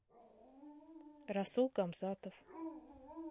расул гамзатов